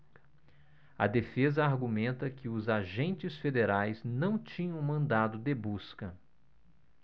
a defesa argumenta que os agentes federais não tinham mandado de busca